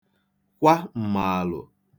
kwa m̀mààlụ̀